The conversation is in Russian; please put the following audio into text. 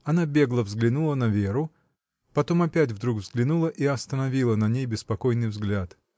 Она бегло взглянула на Веру, потом опять вдруг взглянула и остановила на ней беспокойный взгляд.